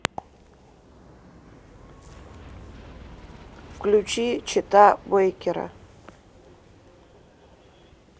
включи чета бейкера